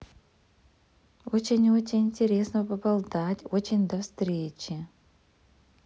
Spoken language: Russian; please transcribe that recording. очень очень интересно поболтать очень до встречи